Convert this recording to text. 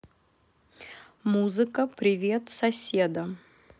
музыка привет соседа